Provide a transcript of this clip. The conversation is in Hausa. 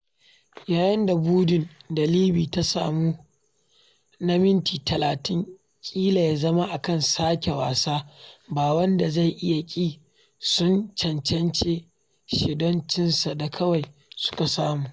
Yayin da buɗin da Livi ta samu na mintina 34 kila ya zama a kan sake wasa, ba wanda zai iya ƙi sun cancance shi don cinsu da kawai suka samu.